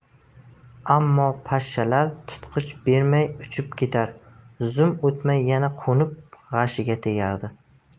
ammo pashshalar tutqich bermay uchib ketar zum o'tmay yana qo'nib g'ashiga tegardi